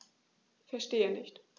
Verstehe nicht.